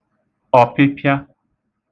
ọ̀pịpịa